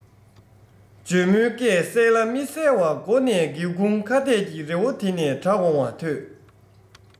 འཇོལ མོའི སྐད གསལ ལ མི གསལ བ སྒོ ནས སྒེའུ ཁུང ཁ གཏད ཀྱི རི བོ དེ ནས གྲགས འོང བ ཐོས